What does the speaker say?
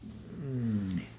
niin